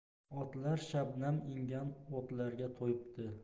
otlar shabnam ingan o'tlarga to'yibdi